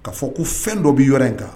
K kaa fɔ ko fɛn dɔ bɛ yɔrɔ in kan